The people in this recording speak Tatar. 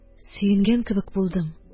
Сөенгән кебек булдым